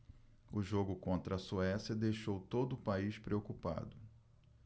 o jogo contra a suécia deixou todo o país preocupado